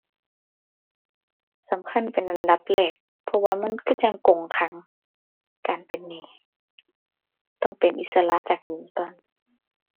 สำคัญเป็นอันดับแรก เพราะว่ามันคือจั่งกรงขัง การเป็นหนี้ ต้องเป็นอิสระจากหนี้ก่อน